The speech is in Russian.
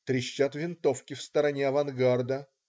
Трещат винтовки в стороне авангарда.